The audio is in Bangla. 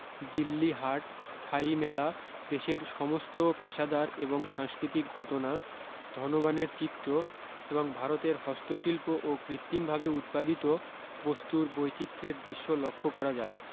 দিল্লী হাট স্থায়ী মেলা দেশের সমস্ত পেশাদার এবং সাংস্কৃতিক ঘটনা ধনবানের চিত্র এবং ভারতের হস্তশিল্প ও কৃত্রিমভাবে উৎপাদিত বস্তুর বৈচিত্রের দৃশ্য লক্ষ করা যায়